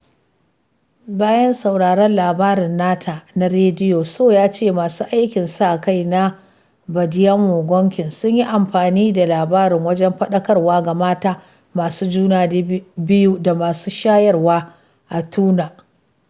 Bayan sauraron labarin nata na rediyo, Sow ya ce masu aikin sa-kai na Badianou Guokh sun yi amfani da labarin wajen faɗakarwa ga mata masu juna biyu da masu shayarwa a tituna.